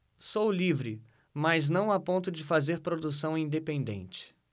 sou livre mas não a ponto de fazer produção independente